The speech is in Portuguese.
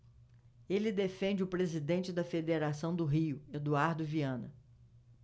ele defende o presidente da federação do rio eduardo viana